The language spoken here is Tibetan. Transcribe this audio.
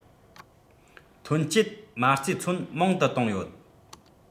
ཐོན སྐྱེད མ རྩའི མཚོན མང དུ བཏང ཡོད